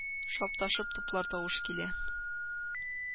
Шап та шоп туплар тавышы килә